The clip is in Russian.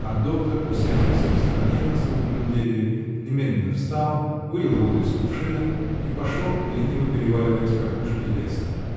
а доктор, усевшийся в стороне, на срубленном дереве, немедленно встал, вылил воду из кувшина и пошел, лениво переваливаясь, к опушке леса.